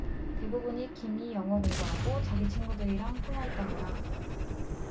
대부분이 김 이 영어공부하고 자기 친구들이랑 통화했던 거다